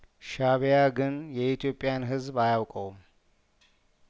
ሻእቢያ ግን የኢትዮጵያን ህዝብ አያውቀውም